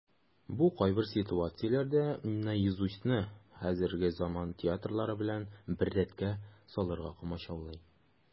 Бу кайбер ситуацияләрдә "Наизусть"ны хәзерге заман театрылары белән бер рәткә салырга комачаулый.